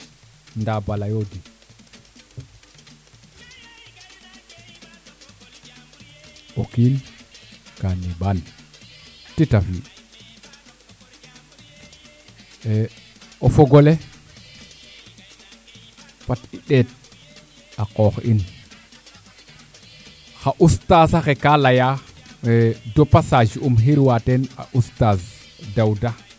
nda bo leyoo din o kiin ka neɓaan tita fi'u o fogele fat i ndeet a koox in xa oustaz axe ga leya de passage im xirwa teen a oustaz Daouda